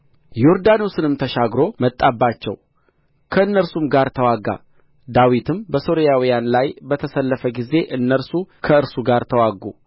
ዮርዳኖስንም ተሻግሮ መጣባቸው ከእነርሱም ጋር ተዋጋ ዳዊትም በሶርያውያን ላይ በተሰለፈ ጊዜ እነርሱ ከእርሱ ጋር ተዋጉ